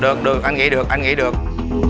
được được anh nghĩ được anh nghĩ được